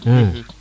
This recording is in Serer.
xa